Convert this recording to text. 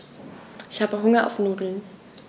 Ich habe Hunger auf Nudeln.